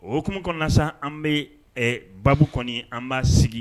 Okumu kɔnɔna na sa an bɛ baa kɔni an b'a sigi